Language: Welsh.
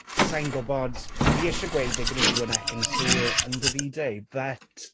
Sai'n gwbod. Fi isie gweud they're gonna do an Ekin-Su and Davide, but...